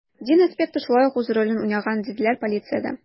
Дин аспекты шулай ук үз ролен уйнаган, диделәр полициядә.